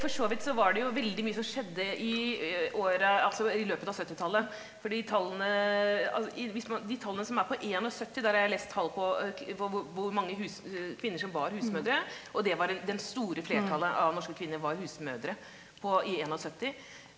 for så vidt så var det jo veldig mye som skjedde i åra altså i løpet av syttitallet fordi tallene altså i hvis man de tallene som er på syttién, der har jeg lest tall på på hvor mange kvinner som var husmødre og det var en den store flertallet av norske kvinner var husmødre på i syttién.